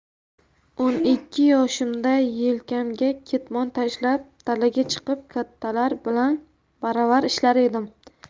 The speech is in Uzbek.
o'n ikki yoshimda yelkamga ketmon tashlab dalaga chiqib kattalar bilan baravar ishlar edim